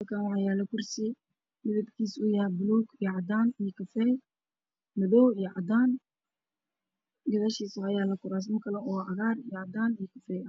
Halkaan waxaa yaalo kursi midabkiisu uu yahay buluug, cadaan iyo kafay, madow iyo cadaan, gadaashiisa waxaa yaalo kuraasman kale oo cagaar, cadaan iyo kafay ah.